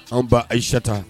An ba ayizsata